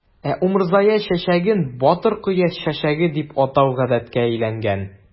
Ә умырзая чәчәген "батыр кояш чәчәге" дип атау гадәткә әйләнгән.